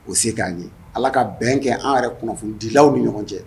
Ko se kan ye . Ala ka bɛn kɛ an yɛrɛ kunnafonidilaw ni ɲɔgɔn cɛ